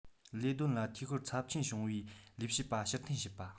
ལས དོན ལ འཐུས ཤོར ཚབས ཆེན བྱུང བའི ལས བྱེད པ ཕྱིར འཐེན བྱས པ